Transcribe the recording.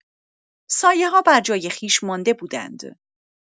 سایه‌‌ها برجای خویش مانده بودند.